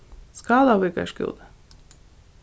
skálavíkar skúli